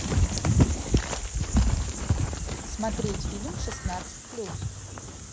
смотреть фильм шестнадцать плюс